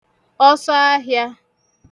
ọsọahịā